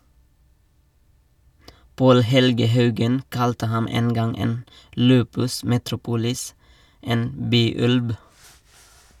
Paal Helge Haugen kalte ham en gang en lupus metropolis, en byulv.